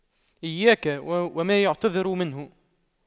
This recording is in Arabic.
إياك وما يعتذر منه